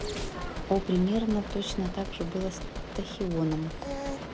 о примерно точно также было с тахионом